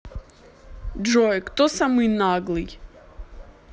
джой кто самый наглый